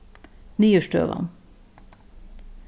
niðurstøðan